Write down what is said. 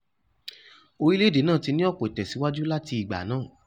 Orílẹ̀-èdè náà ti ní ọ̀pọ̀ ìtẹ̀síwájú láti ìgbà náà.